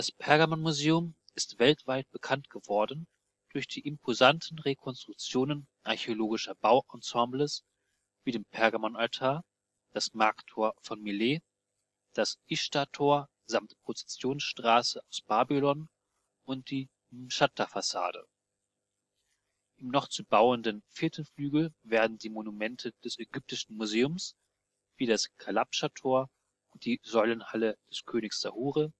Pergamonmuseum ist weltweit bekannt geworden durch die imposanten Rekonstruktionen archäologischer Bauensembles wie den Pergamonaltar, das Markttor von Milet, das Ischtar-Tor samt Prozessionsstraße aus Babylon und die Mschatta-Fassade. Im noch zu bauenden vierten Flügel werden die Monumente des Ägyptischen Museums, wie das Kalabscha-Tor und die Säulenhalle des Königs Sahure